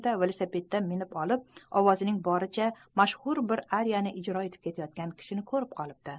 velosipedga minib olib ovozining boricha mashhur bir ariyani ijro etib ketayotgan kishini ko'rib qoldi